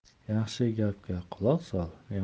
yaxshi gapga quloq sol